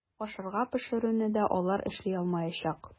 Ашарга пешерүне дә алар эшли алмаячак.